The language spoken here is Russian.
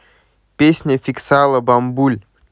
песня фиксала бамбуль